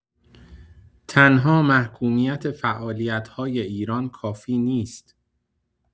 تنها محکومیت فعالیت‌های ایران کافی نیست.